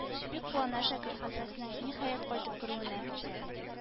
Бик куана шәкерт хәлфәсенең ниһаять кайтып керүенә